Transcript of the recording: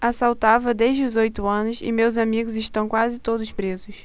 assaltava desde os oito anos e meus amigos estão quase todos presos